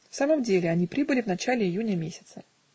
В самом деле, они прибыли в начале июня месяца.